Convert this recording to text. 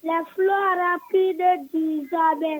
Cɛ furarafi bɛ bi3